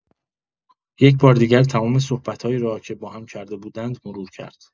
یک‌بار دیگر تمام صحبت‌هایی را که باهم کرده بودند، مرور کرد.